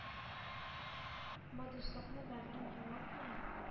Бу дуслыкны, бәгърем, югалтма!